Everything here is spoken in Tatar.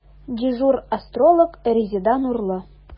Дежур астролог – Резеда Нурлы.